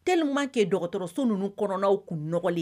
Teliman kɛ dɔgɔtɔrɔso ninnu kɔnɔnaw tun nɔgɔli